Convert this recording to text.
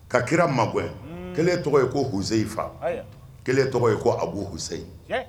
Ka kira mago kelen tɔgɔ ye ko hse in fa kelen tɔgɔ ye ko abuuyi